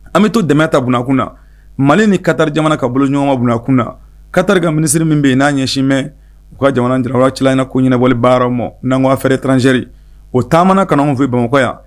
An bɛ to dɛmɛ bunakun na Mali ni Katari jamana ka bolodiɲɔgɔnma bunakun na Katari ka ministre min bɛ yen n'a ɲɛsinen bɛ u ka jamana ɲɛla ko ɲɛnabɔli ko baara ma n’an ko affaire étrangère u taama na ka na a fɛ Bamakɔ yan